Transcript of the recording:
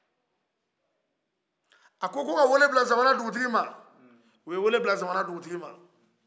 a ko ko ka wele bila zamana dugutigi u ye wele bila zamana dugutigi ma